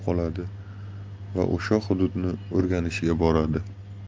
ko'rib qoladi va o'sha hududni o'rganishga boradi